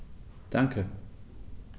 Danke.